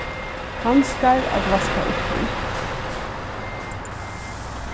handskar at vaska upp við